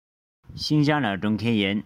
ཤིན ཅང ལ འགྲོ མཁན ཡིན